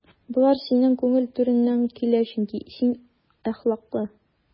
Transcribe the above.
Болар синең күңел түреннән килә, чөнки син әхлаклы.